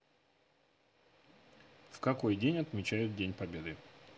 в какой день отмечают день победы